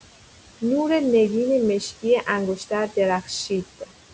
نور نگین مشکی انگشتر درخشید.